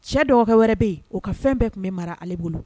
Cɛ dɔgɔkɛ wɛrɛ be yen o ka fɛn bɛɛ kun bɛ mara ale bolo.